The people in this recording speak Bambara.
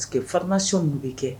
Parce que fararsi tun b bɛ kɛ